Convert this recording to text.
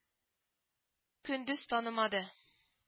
Көндез танымады